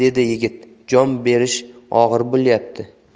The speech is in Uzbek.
yigit jon berishi og'ir o'tyapti